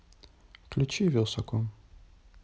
включи велсаком